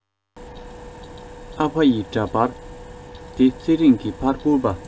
ཨ ཕ ཡི འདྲ པར དེ ཚེ རིང གི ཕར བསྐུར པ